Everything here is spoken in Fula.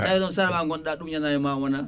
tawi noon ko sarama gonɗa ɗum yana e ma wona